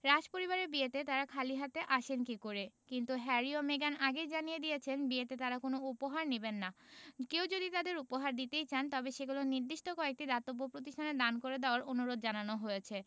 রাজপরিবারের বিয়েতে তাঁরা খালি হাতে আসেন কী করে কিন্তু হ্যারি ও মেগান আগেই জানিয়ে দিয়েছেন বিয়েতে তাঁরা কোনো উপহার নেবেন না কেউ যদি তাঁদের উপহার দিতেই চান তাহলে সেগুলো নির্দিষ্ট কয়েকটি দাতব্য প্রতিষ্ঠানে দান করে দেওয়ার অনুরোধ জানানো হয়েছে